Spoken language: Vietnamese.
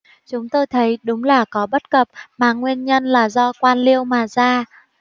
chúng tôi thấy đúng là có bất cập mà nguyên nhân là do quan liêu mà ra